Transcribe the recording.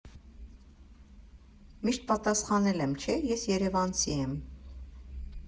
Միշտ պատասխանել եմ, չէ, ես երևանցի եմ։